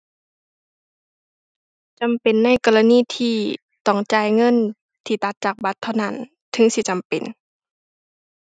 จำเป็นในกรณีที่ต้องจ่ายเงิน ที่ตัดจากบัตรเท่านั้น ถึงสิจำเป็น